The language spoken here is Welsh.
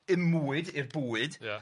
ymwyd i'r bwyd. Ia.